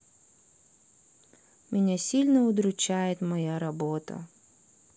меня сильно удручает моя работа